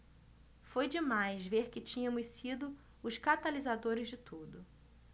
foi demais ver que tínhamos sido os catalisadores de tudo